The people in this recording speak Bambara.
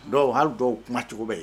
Donc hali dɔw kumacogo bɛ yen